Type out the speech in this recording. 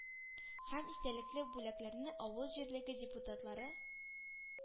Һәм истәлекле бүләкләрне авыл җирлеге депутатлары